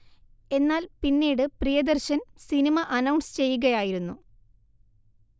എന്നാൽ പിന്നീട് Priyadarshan cinema announce ചെയ്കയായിരുന്നു